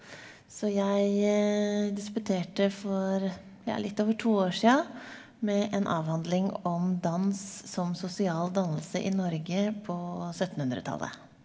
så jeg disputerte for ja litt over to år sia med en avhandling om dans som sosial dannelse i Norge på syttenhundretallet.